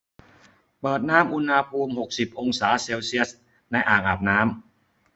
เปิดน้ำอุณหภูมิหกสิบองศาเซลเซียสในอ่างอาบน้ำ